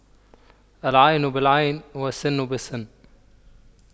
العين بالعين والسن بالسن